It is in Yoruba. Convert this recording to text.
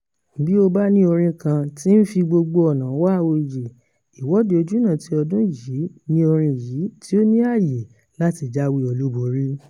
Bí ó bá ní orin kan tí ń fi gbogbo ọ̀nà wá oyè Ìwọ́de Ojúnà ti ọdún yìí, ni orin yìí tí ó ní àyè láti jáwé olúborí: